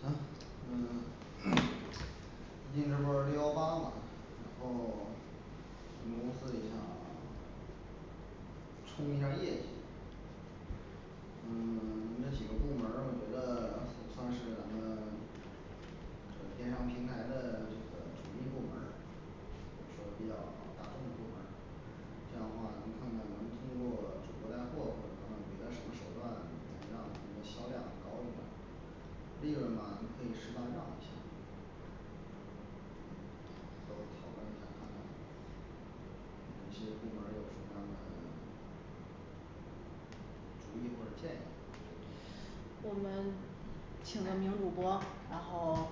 行嗯 最近这不是六幺八吗然后咱们公司也想 冲一下儿业绩嗯 这几个部门儿我觉得好像是咱们 这电商平台的这个主力部门儿我说比较大众的部门儿，这样的话呢你们看看能通过主播带货或者什么样别的什么手段，能让我们的销量高一点儿利润嘛咱们可以适当让一些都讨论一下看看你们些部门有什么样的 主意或者建议我们请个名主播，然后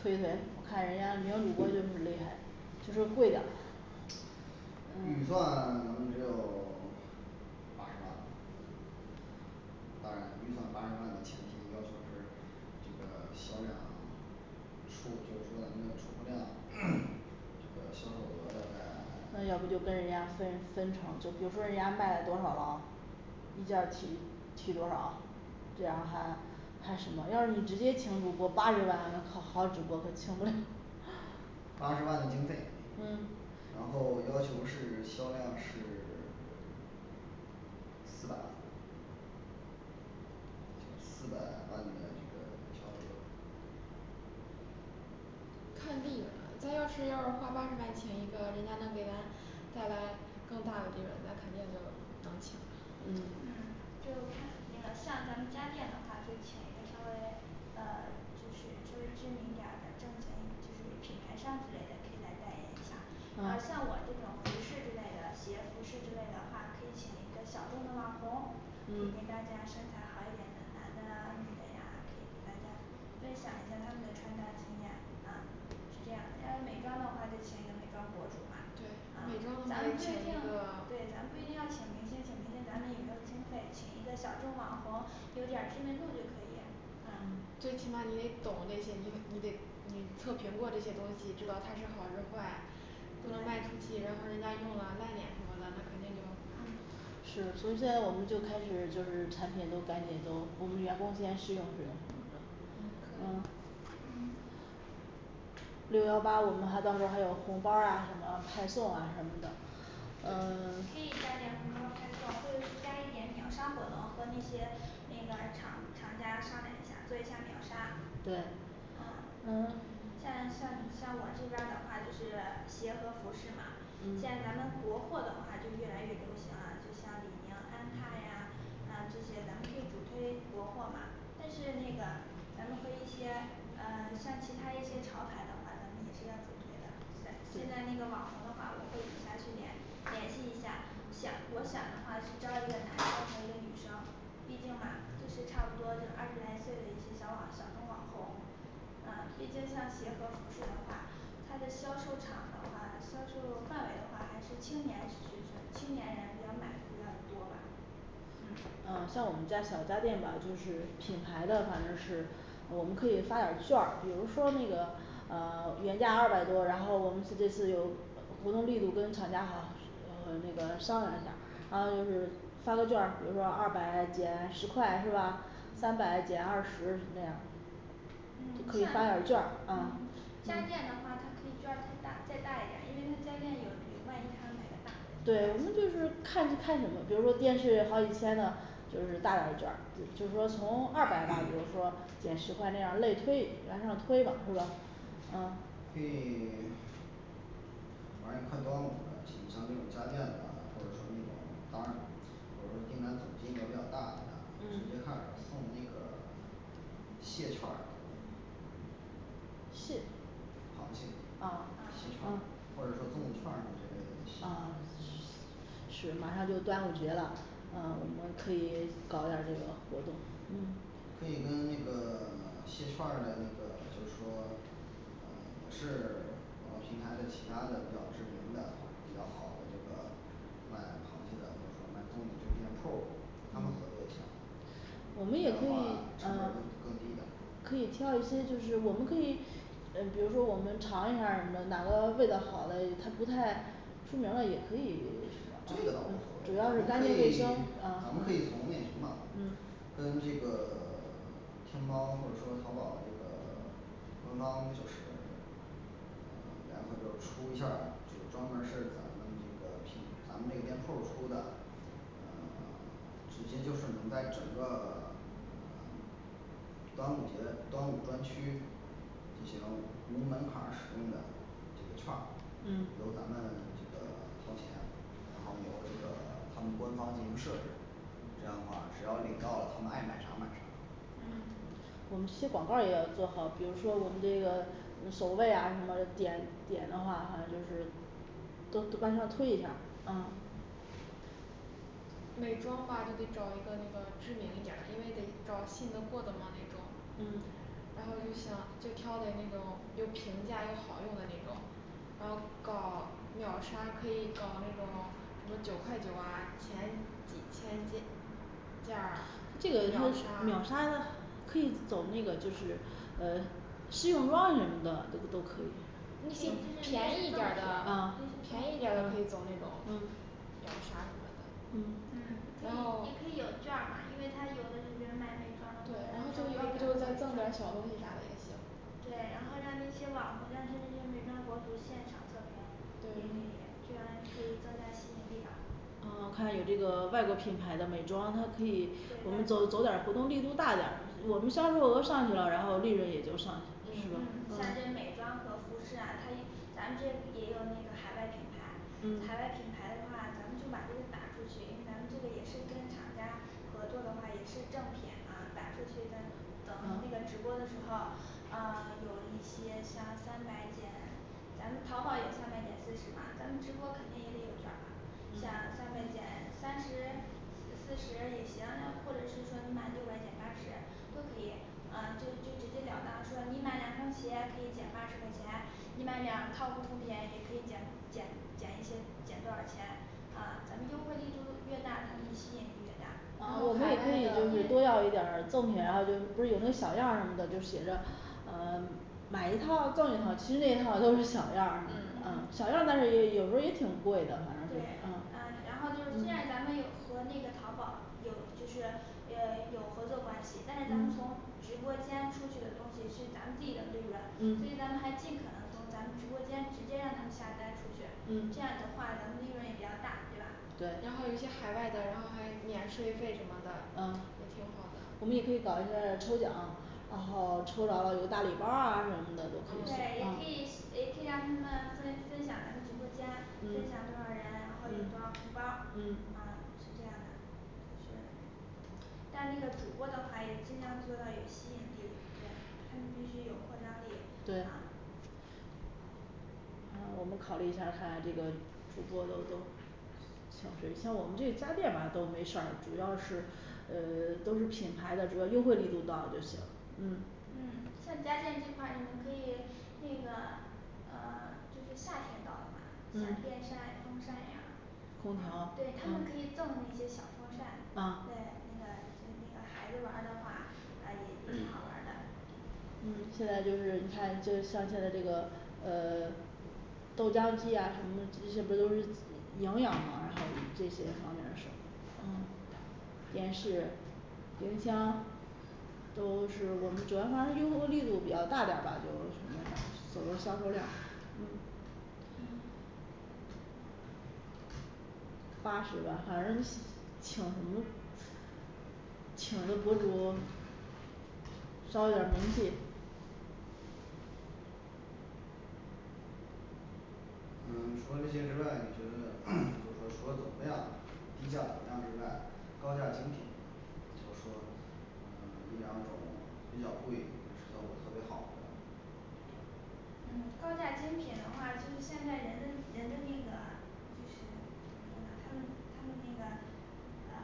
推推我看人家名主播就是厉害。就是贵点儿预算呃 咱们只有 八十万当然预算八十万的前提要求是这个销量 出就是说咱们的出货量 这个销售额要在那 要不就跟人家分分成，就比如说人家卖多少了，一件提提多少这样还还什么，要是你直接请主播八十万，好好主播可请不了 八十万的经费嗯，然后要求是销量是 四百万四百万的这个销售额看利润啦咱要是要花八十万请一个，人家能给咱 带来更大的利润，咱肯定就能请嗯嗯就看那个像咱们家电的话，就请一个稍微呃就是稍微知名点儿的正经就是品牌商之类的可以来代言一下啊啊像我这种服饰之类的鞋服饰之类的话，可以选一个小众的网红也嗯跟大家身材好一点的男的女的呀可以给大家分享一下他们的穿搭经验啊是这样的，要是美妆的话就请一个美妆博主嘛对啊美妆的话咱们不请一定一个对咱们不一定要请明星，请明星咱们也没有经费，请一个小众网红 有点儿知名度就可以啊嗯最起码你得懂这些，你你得你测评过这些东西，知道它是好是坏 不能卖出对去，然后人家用了烂脸什么的那肯定就嗯 是，所以现在我们就开始就是产品都赶紧都我们员工先试用试用嗯嗯可以嗯六幺八我们还到时候还有红包儿啊什么派送啊什么的呃 可以加点儿红包儿派送或者是加一点秒杀活动和那些那个厂厂家商量一下做一下秒杀对呃呃像像像我这边儿的话就是鞋和服饰嘛现嗯在咱们国货的话是越来越流行啊，就像李宁、安踏呀啊这些咱们可以主推国货嘛但是那个咱们和一些呃像其他一些潮牌的话，咱们也是要主推的对现现在那个网红的话我会下去联联系一下，想我想的话是招一个男生和一个女生毕竟嘛就是差不多就二十来岁的一些小网小众网红啊毕竟像鞋和服饰的话，它的销售场的话销售范围的话还是青年学生青年人比较买的比较多吧嗯呃像我们家小家电吧就是品牌的反正是我们可以发点儿劵儿，比如说那个啊 原价二百多，然后我们是这次有活动力度跟厂家和呃那个商量一下儿，然后就是发个劵儿，比如说二百减十块是吧？三百减二十那样儿就可以嗯发点儿劵儿像啊嗯嗯家电的话它可以劵儿再大再大一点儿因为那家电有有万一他买个大的对，我们就是看看什么比如说电视好几千的就是大点儿的劵儿，比就是说从二百吧比如说减十块那样类推往上推是吧啊可以 反正也快端午了，挺像这种家电的就是说那种单儿，比如说订单总金额比较大的呀直嗯接开始送那个蟹券儿蟹螃蟹啊蟹啊券儿啊或者说粽子券儿之类的礼啊品是马上就端午节了，啊我们可以搞点儿这个活动嗯可以跟那个 蟹券儿的那个就是说啊也是我们平台的其他的比较知名的比较好的这个卖螃蟹的或者说卖粽子这个店铺儿，他们合嗯作一下这样的话我们也可以成本儿啊更更低点儿可以挑一些，就是我们可以呃比如说我们尝一下儿什么的，哪个味道好嘞，它不太出名了，也可以 啊这个倒嗯无所主谓要我们可是以咱干们净卫生啊可以从那什么嗯跟这个 天猫或者说淘宝这个 官方就是联合就出一下儿就专门儿是咱们这个平咱们这个店铺儿出的嗯 直接就是能在整个 端午节、端午专区进行无门槛儿使用的这个券儿嗯由咱们这个掏钱，然后由这个他们官方进行设置这样的话只要领到了他们爱买啥买啥嗯我们这些广告儿也要做好，比如说我们这个首位啊什么点点的话好像就是都往上推一下儿啊美妆吧就得找一个那个知名一点儿的，因为得找信得过的嘛那种嗯然后又想嗯就挑给那种又平价又好用的那种然后搞秒杀，可以搞那种什么九块九啊前几前今件儿这个它秒秒杀杀的可以走那个就是呃试用装什么的这个都可以你可以就是那个是赠品那便宜点儿的那啊些便宜是点儿赠品的可以走那种嗯秒杀什么的嗯嗯可以也然后可以有劵儿嘛，因为他有的人买美妆对的话然他后是就稍贵点要不就儿再赠的点儿美小妆东西啥的也行对，然后让那些网红，让那些美妆博主现场测评也可以对这样可以增加吸引力吧啊我看有这个外国品牌的美妆，它可以我们走走对点外国儿活动力度大点儿，我们销售额上去了，然后利润也就上去了是嗯吧嗯像这啊些美妆和服饰啊它，咱们这也有那个海外品牌海嗯外品牌的话咱们就把这个打出去，因为咱们这个也是跟厂家合作的话也是正品啊打出去，再等那啊个直播的时候啊有一些像三百减咱们淘宝也上面减四十嘛，咱们直播肯定也得有劵儿吧嗯像三百减三十四十也行，那或者是说你满六百减八十都可以，啊就就直截了当说你买两双鞋可以减八十块钱你买两套护肤品也可以减减减一些减多少钱啊咱们优惠力度越大他们吸引力越大然然后我后们海外也可以就是的多要一点儿赠品然后就不是有那个小样儿什么的就写着啊 买一套赠一套，其实那一套都是小样儿，嗯嗯小嗯样儿但是也有时候也挺贵的，反正就是对啊啊然后就是虽然嗯咱们有和那个淘宝有就是也有合作关系，但是咱们嗯从直播间出去的东西是咱们自己的利润，所嗯以咱们还尽可能从咱们直播间直接让他们下单出去，这嗯样的话咱们利润也比较大，对吧然对后有一些海外的，然后还免税费什么的啊也挺好的我们也可以搞一下儿抽奖然后抽着了有个大礼包啊对也可啊以也可以让他们分分享咱们直播间分嗯享多少人，然后有多嗯少红包，嗯啊是这样的就是但那个主播的话也尽量做到有吸引力对，他们必须有扩张力对啊嗯我们考虑一下儿看看这个主播都都请谁像我们家电吧都没事儿，主要是呃 都是品牌的主要优惠力度到就行嗯嗯像家电这块儿你们可以那个呃 就是夏天到了嘛像嗯电扇风扇呀空调啊对，他们可以赠那些小风扇，啊对那个给那个孩子玩儿的话，啊也挺好玩儿的嗯现在就是你看这个像现在这个呃 豆浆机呀什么的这些不都是营养吗，然后这些方面说嗯电视、营销都是我们主要反正优惠力度比较大点儿吧就什么的，走个销售量嗯嗯八十万反正请什么请的博主稍有点儿名气嗯除了这些之外，你觉得 就是说除了走个量低价走量之外，高价精品就是说嗯一两种比较贵但是效果特别好的嗯高价精品的话，就是现在人的人的那个就是怎么说呢他们他们那个啊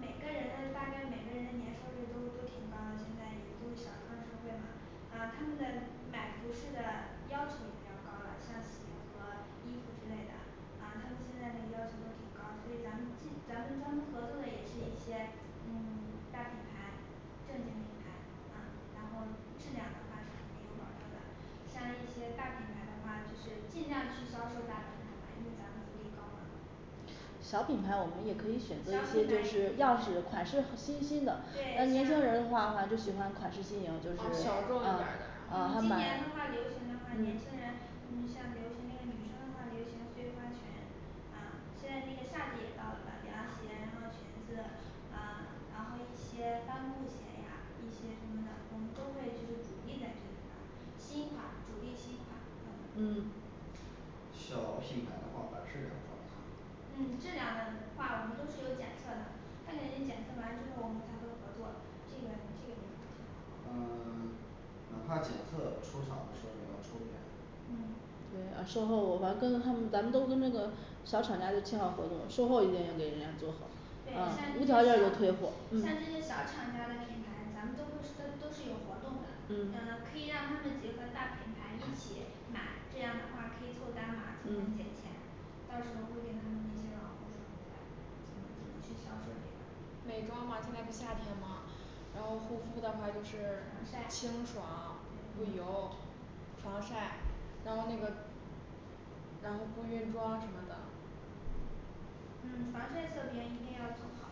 每个人的大概每个人的年收入都都挺高的，现在也都小康社会嘛啊他们的买服饰的要求也比较高了，像鞋和衣服之类的啊他们现在那个要求都挺高，所以咱们尽咱们跟他们合作的也是一些嗯 大品牌正经品牌啊，然后质量的话是肯定有保证的。像一些大品牌的话就是尽量去销售大品牌嘛因为咱们福利高嘛小品牌我们也可以小品牌也选择一可以些对就是样式款式，新兴的呃对年轻像人儿的话话就喜欢款式新颖啊。就是小众一点嗯儿的然嗯嗯后他今年买的嗯话流行的话年轻人你像流行那个女生的话流行碎花裙啊，现在那个夏季也到了吧凉鞋，然后裙子啊然后一些帆布鞋呀一些什么的，我们都会去主力就是在这里的新款主力新款嗯小品牌的话把质量抓上来嗯质量的话我们都是有检测的，他肯定检测完之后我们才会合作这个这个您放心嗯 哪怕检测出厂的时候也要抽检嗯对，啊售后反正跟他们咱们都跟那个小厂家就签好合同，售后一定要给人家做好对啊像这无些条件儿就退小货像嗯这些小厂家的品牌，咱们都会说都是有活动的，嗯呃可以让他们结合大平台一起买，这样的话可以凑单嘛凑单减嗯钱到时候会给他们那些网红说明白怎么怎么去销售这个美妆嘛现在不夏天嘛然后护肤的话就防是晒清爽不油，防晒，然后那个然后不晕妆什么的嗯防晒测评一定要做好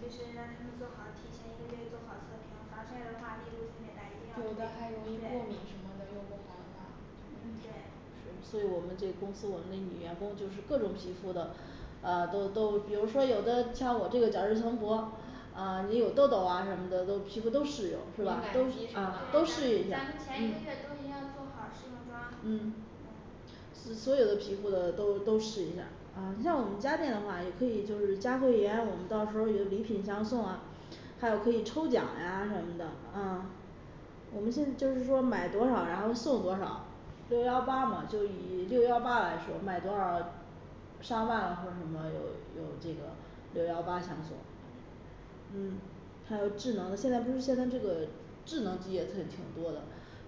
就是让他们做好提前一个月做好测评，防晒的话力度特别大，一定要有推的还容易过敏对什么的用不好的话嗯对是所以我们这个公司我们的女员工就是各种皮肤的，啊都都比如说有的像我这个角质层薄啊你有痘痘啊什么的都皮肤都适用敏感是吧？都肌啥对咱们咱啊都的啊试一下们前一嗯个月都一定要做好试用装嗯嗯嗯所有的皮肤的都都试一下儿，啊你像我们家电的话也可以就是加会员，我们到时候儿有礼品相送啊还有可以抽奖呀什么的啊我们现就是说买多少，然后送多少，六幺八嘛就以六幺八来说买多少上万了或者什么有有这个六幺八相送嗯还有智能的，现在不是现在这个智能机也特挺多的，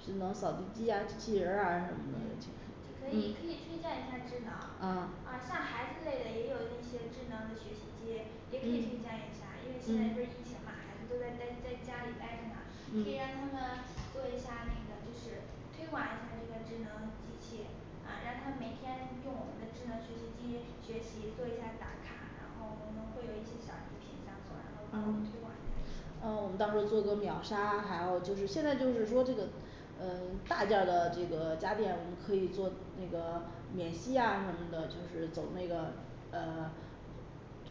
智能扫地机呀机器人儿啊什么的嗯就可以嗯可以推荐一下智能，啊啊像孩子类的也有一些智能的学习机也可以推嗯荐一下，因为现在不是嗯疫情吗孩子都在待在家里待着呢可以嗯让他们做一下那个就是推广一下这个智能机器啊让他每天用我们的智能学习机学习做一下打卡，然后我们会有一些小礼品相送，然后帮我们啊推广一下也行啊我们到时候做做秒杀，还有就是现在就是说这个呃大件儿的这个家电我们可以做那个免息啊什么的，就是走那个呃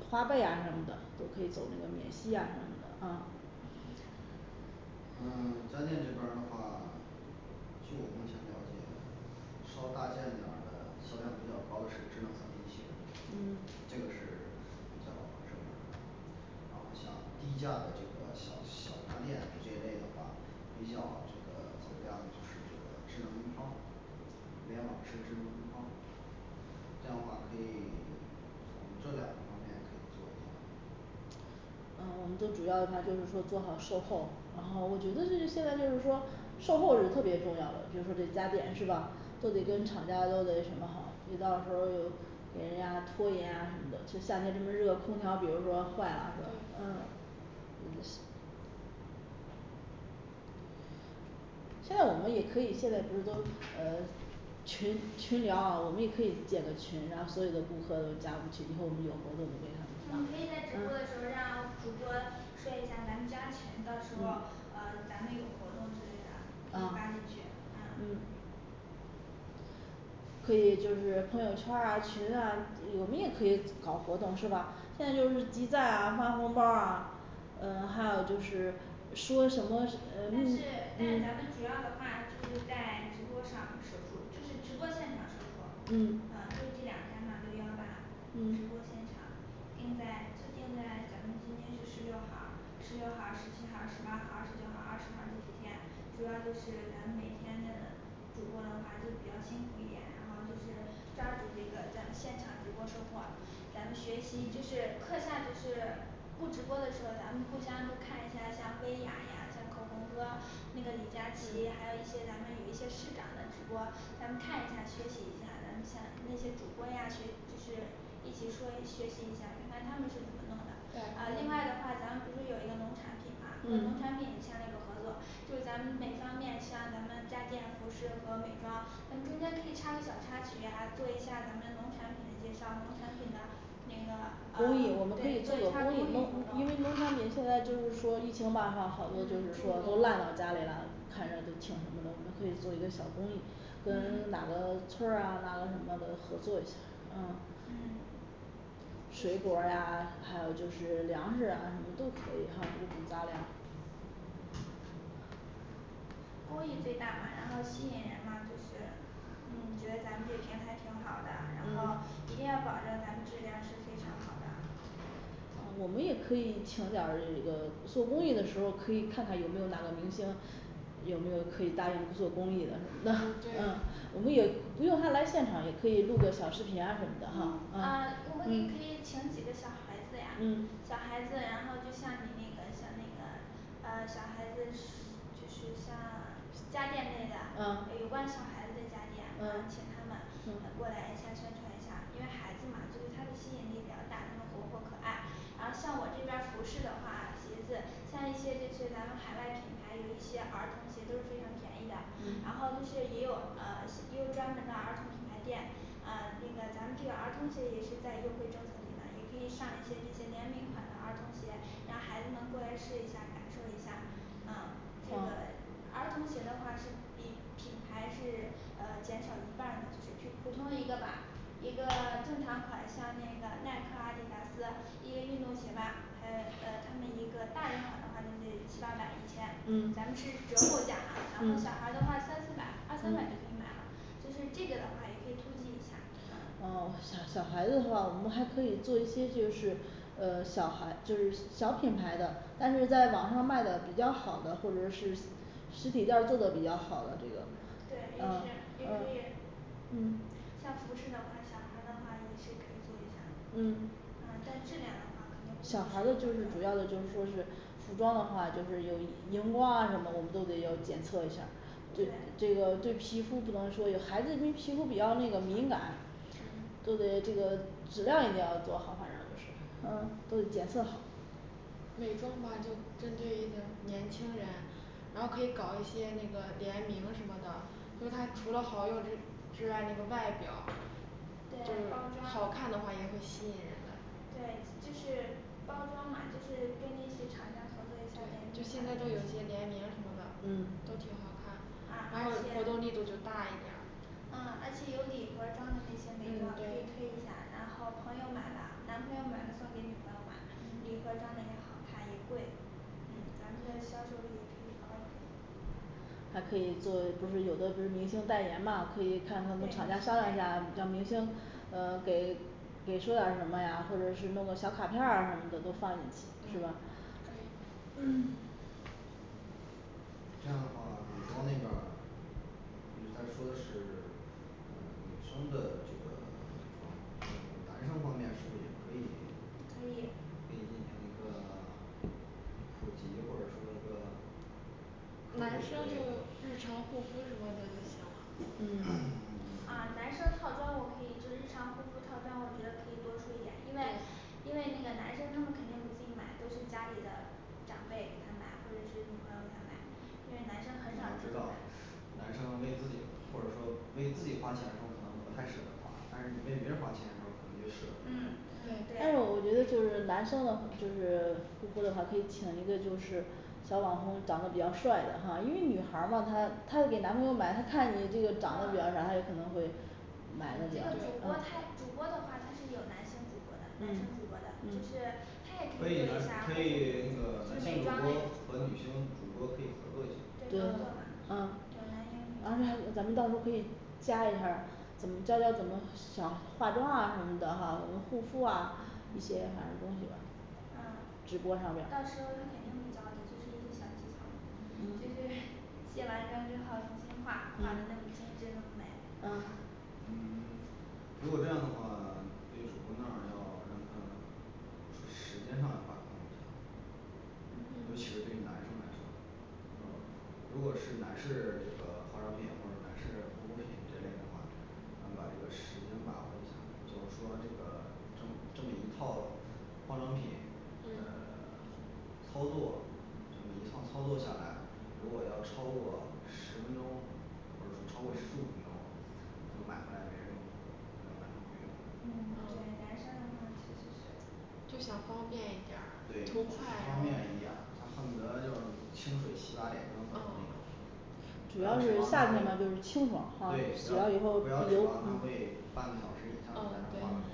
花呗啊什么的都可以走那个免息啊什么的啊嗯家电这边儿的话据我目前了解，稍大件点儿的销量比较高是智能扫地机器人嗯这个是比较热门儿的然后像低价的这个小小家电这一类的话，比较这个走量就是这个智能灯泡。联网式智能灯泡这样话可以从这两个方面可以做一下嗯我们都主要的话就是说做好售后，然后我觉得就是现在就是说售后是特别重要的，比如说这家电是吧？都嗯得跟厂家 都得什么好，别到时候有给人家拖延啊什么的，就夏天这么热，空调比如说坏了是吧对？呃现在我们也可以现在不是都呃群群聊啊，我们也可以建个群，然后所有的顾客都加我们群以后，我们有活动就给他们嗯发嗯可以在直播的嗯时候让主播说一下咱们加群，到时候嗯呃咱们有活动之类的就发进啊去啊嗯可以就是朋友圈儿啊群啊我们也可以搞活动是吧现在就是集赞啊发红包儿啊呃还有就是说什么但呃是嗯但是嗯咱们主要的话就是在直播上售出就是直播现场售出，嗯呃就这两天嘛六幺八直嗯播现场定在就定在咱们今天是十六号儿、十六号儿、十七号儿、十八号儿、十九号儿、二十号儿这几天，主要就是咱们每天那个主播的话就比较辛苦一点，然后就是抓住这个在现场直播售货，咱们学习就是课下就是不直播的时候，咱们互相就看一下，像薇娅呀像口红哥，那个李佳琦还有一些咱们有一些市长的直播咱们看一下学习一下，咱们像那些主播呀学就是一起说学习一下，看看他们是怎么弄的对啊另外的话咱们不是有一个农产品吗？和农嗯产品也签了一个合作，就咱们每方面像咱们家电服饰和美妆咱们中间可以插个小插曲呀，做一下咱们农产品的介绍，农产品的那个啊公益我们可以对做做一下公公益活动益因为活动农产品现在就是说疫情吧哈好多就嗯是说助都烂到农家里了看着都挺什么的，我们可以做一个小公益跟哪个村儿啊哪个什么的都合作一下啊嗯水果儿啊还有就是粮食啊什么都可以哈五谷杂粮公益最大嘛，然后吸引人嘛就是嗯觉嗯得咱们这个平台挺好的，然后嗯一定要保证咱们质量是非常好的啊我们也可以请点儿这个做公益的时候，可以看看有没有哪个明星 有没有可以答应做公益的什么的 嗯对，我们也不用他来现场也可以录个小视频啊什么的哈啊我们可以可嗯以请几个小孩子呀嗯小孩子，然后就像你那个像那个呃小孩子是就是像家电类的啊有关小孩子的家电，然后啊请他们能嗯过来一下宣传一下，因为孩子嘛他的吸引力比较大，他们活泼可爱然后像我这边儿服饰的话，鞋子像一些这些咱们海外品牌有一些儿童鞋都是非常便宜的，然嗯嗯后就是也有呃也有专门的儿童品牌店啊那个咱们这个儿童鞋也是在优惠政策里了也可以上一些这些联名款的儿童鞋，让孩子们过来试一下感受一下啊这嗯个儿童鞋的话是比品牌是呃减少一半的，就是普 普通一个吧一个正常款像那个，耐克、阿迪达斯一个运动鞋吧，还有呃他们一个大人款的话就得七八百一千，咱们是折后嗯价啊，然后小孩的嗯话三四百二三百就可嗯以买了就是这个的话也可以突击一下嗯哦像小孩子的话，我们还可以做一些就是呃小孩就是小品牌的，但是在网上卖的比较好的，或者是实体店儿做的比较好的这个嗯嗯对，也啊是也可以呃嗯像服饰的话小孩的话也是可以做一下嗯啊但质量的话肯定会是有小孩儿的就是吧这主样要的就是说是服装的话就是有荧光啊什么的我们都得有检测一下儿对对这个对皮肤不能说有孩子因为皮肤比较那个敏感嗯都得这个质量一定要做好，反正就是嗯都检测好美妆吧就针对一个年轻人，然后可以搞一些那个联名什么的，就是它除了好用之之外，那个外表对就是好包装看的话也会吸引人的对，就是包装嘛就是跟那些厂家合作一下对呗就现在都有些联名什么的嗯都挺好看啊然而后且活动力度就大一点儿啊而且有礼盒装的那些美妆可嗯以推对一下，然后朋友买啦，男朋友买了送给女朋友嘛，礼盒装的也好看也贵嗯咱们的销售率也可以高一点还可以就，不是有的不是明星代言嘛，可以看对他们明厂星家商代量一下，言让明星呃给给说点儿什么呀，或者是弄个小卡片儿什么的都放进去是吧嗯可以嗯这样的话美妆那边儿，因为他说的是 呃女生的这个美妆呃男生方面是不是也可以可可以以进行一个 普及，或者说一个男生就是日常护肤什么的就行了对嗯 啊男生套装我可以就日常护肤套装我觉得可以多出一点，因为对因为那个男生他们肯定不自己买，都是家里的长辈给他买，或者是女朋友给他买因为男生很你少要去知买道男生为自己或者说为自己花钱时候可能不太舍得花，但是你为别人花钱的时候可能就舍得嗯对然后对我觉得就是男生的就是护肤的话可以请一个就是小网红长得比较帅的哈，因为女孩儿嘛她她要给男朋友买，他看你这个长得比较啊啥，她就可能会买的这比较个主对播，啊他主播的话他是有男性主播的男生主嗯播的就嗯是他也可可以以做一下男护肤可以品的那个就男是美性主妆类播的主和女性播主播可以合作一下儿啊对合作嘛啊有男有然后他咱女就好了们到时候可以加一下儿，怎么教教怎么想化妆啊什么的哈，我们护肤啊一些啥的东西吧嗯直播上到边儿时候他肯定会教的就是一个小技巧嘛就嗯是 卸完妆之后，自己画画的那么精致那么美嗯嗯 如果这样的话，对主播那儿要让他说时间上要把控一下嗯尤其嗯是对于男生来说嗯如果是男士这个化妆品或者男士护肤品这类的话，能把这个时间把握一下，就是说这个这么这么一套化妆品呃嗯 操作整个一套操作下来，如果要超过十分钟或者说超过十五分钟可能买回来也没人用没有男生会用嗯对嗯啊男生 的话确实是就想方便一点儿对，图方快然后便一就点，他啊恨不得就清水洗把脸就能走的那种啊不要指望他会对不要不要主要是夏天嘛就是清爽啊洗了以后指流望嗯他会半个小时以上啊才能化个对妆肯嗯